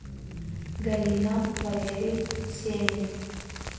галина валерий семин